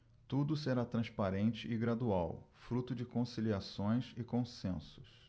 tudo será transparente e gradual fruto de conciliações e consensos